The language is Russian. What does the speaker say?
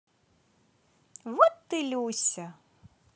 вот ты люся